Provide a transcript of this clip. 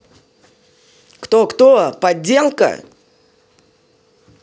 кто кто подделка